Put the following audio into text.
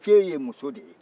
ce ye muso de ye